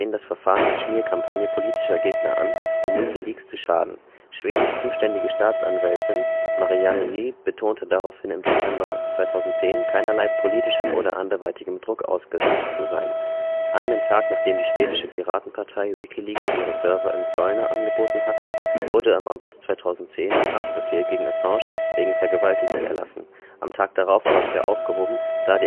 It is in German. das Verfahren als Schmierkampagne politischer Gegner an, um WikiLeaks zu schaden. Schwedens zuständige Staatsanwältin (överåklagare in Schweden) Marianne Ny betonte daraufhin im Dezember 2010, keinerlei politischem oder anderweitigem Druck ausgesetzt zu sein. Einen Tag, nachdem die schwedische Piratenpartei Wikileaks ihre Server in Solna angeboten hatte (s.u.), wurde am 20. August 2010 ein Haftbefehl gegen Assange wegen Vergewaltigung erlassen, am Tag darauf aber wieder aufgehoben, da